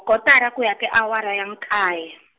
kotara ku ya ka awara ya nkaye.